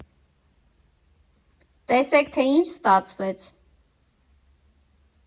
Տեսեք, թե ինչ ստացվեց։